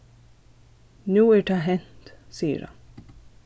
nú er tað hent sigur hann